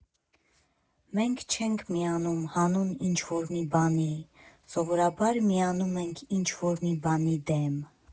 Մենք չենք միանում հանուն ինչ֊որ մի բանի, սովորաբար միանում ենք ինչ֊որ մի բանի դեմ։